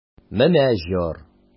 Менә җор!